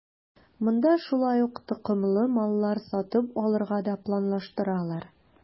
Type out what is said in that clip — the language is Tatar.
Монда шулай ук токымлы маллар сатып алырга да планлаштыралар.